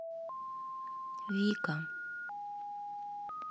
вика